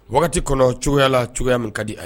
Wagati kɔnɔ cogoyaya la cogoyaya min ka di a